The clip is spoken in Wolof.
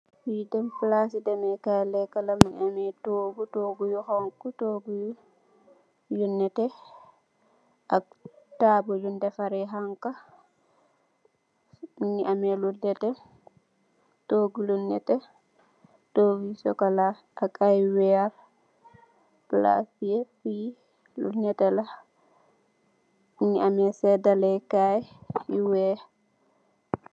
Fi palasi demakai lekala, mungii amm togu, togu yu neteh ak tabule bunj defereh ai khankha.